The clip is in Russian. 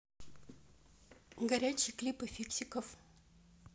горячие клипы фиксиков